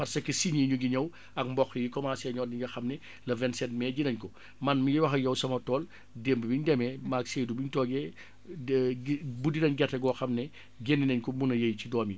parce que signe yi ñu ngi ñëw ak mboq yi commencé ñor bi nga xam ne le vingt sept mai ji nañ ko man mii wax ak yow sama tool démb bi ñu demee maag Seydou bi ñu toogee buddi nañ gerte boo xam ne génne nañ ko mën a yëy ci doom yi